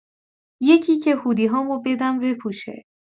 یکی که هودی هامو بدم بپوشه